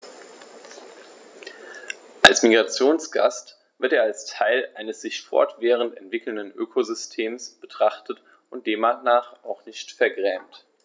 Als Migrationsgast wird er als Teil eines sich fortwährend entwickelnden Ökosystems betrachtet und demnach auch nicht vergrämt.